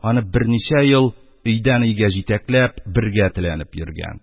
Аны берничә ел өйдән өйгә җитәкләп, бергә теләнеп йөргән.